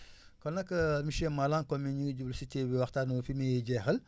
kon nag monsieur Malang kon ñu jublu si kii bi waxtaan bi fi muy jeexal